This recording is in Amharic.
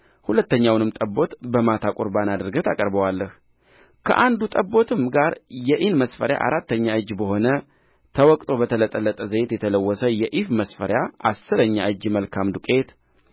ሁለተኛውንም ጠቦት በማታ ቍርባን አድርገህ ታቀርበዋለህ ከአንዱ ጠቦትም ጋር የኢን መስፈሪያ አራተኛ እጅ በሆነ ተወቅጦ በተጠለለ ዘይት የተለወሰ የኢፍ መስፈሪያ አሥረኛ እጅ መልካም ዱቄት